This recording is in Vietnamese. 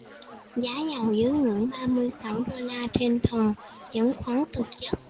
giá dầu dưới ngưỡng ba mươi sáu đô la trên thùng chứng khoán tuột dốc